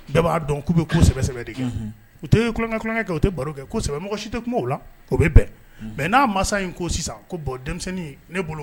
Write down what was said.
B'kankɛ kɛ u tɛ kɛsɛbɛ mɔgɔ si tɛ bɛ bɛn mɛ n'a mansa in ko sisan ko bon denmisɛnnin